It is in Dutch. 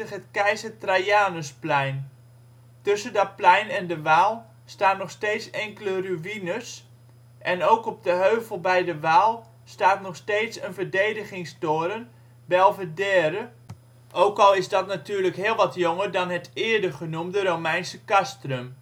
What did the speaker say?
het " Keizer Traianusplein ". Tussen dat plein en de Waal staan nog steeds enkele ruïnes en ook op de heuvel bij de Waal staat nog steeds een verdedigingstoren Belvedère, ook al is dat natuurlijk heel wat jonger dan het eerder genoemde Romeinse castrum